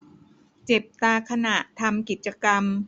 เจ็บตาขณะทำกิจกรรม